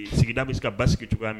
I sigida bɛ se ka ba sigi cogoya min